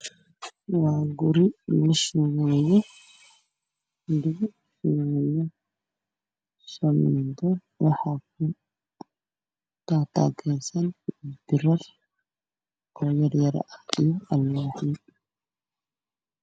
Waa guri la shubaayo